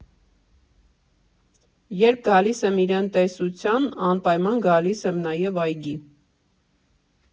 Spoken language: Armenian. Երբ գալիս եմ իրեն տեսության, անպայման գալիս եմ նաև այգի։